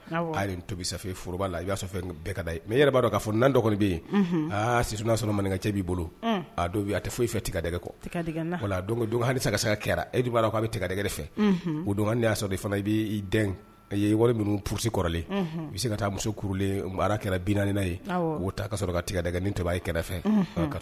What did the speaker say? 'a sɔrɔ'i bolo foyi fɛgɛ hali ka edu'a la a bɛ tigɛgɛ fɛ don y'a sɔrɔ fana i b'' i ye wari minnu psi kɔrɔlen i bɛ se ka taa muso kɛra binaniina ye ka sɔrɔ kagɛ ni kɛrɛfɛ